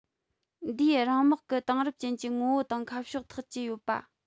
འདིས རང དམག གི དེང རབས ཅན གྱི ངོ བོ དང ཁ ཕྱོགས ཐག བཅད ཡོད པ